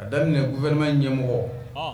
A daminɛ u vma ɲɛmɔgɔ